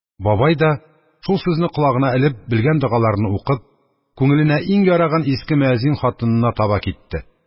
Бабай да, шул сүзне колагына элеп, белгән догаларыны укып, күңеленә иң яраган иске мөәззин хатынына таба китте.